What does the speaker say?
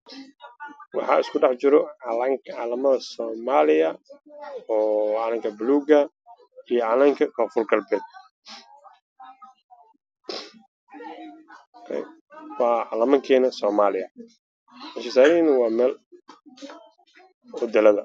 Waxaa isku dhex jiro calanka somaliya iyo calanka koonfur galbeed